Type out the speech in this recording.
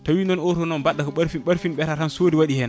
tawi noon oto noon mbaɗo ko ɓarfino ɓeeta tan soodi waɗi hen